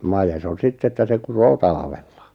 made on sitten että se kutee talvella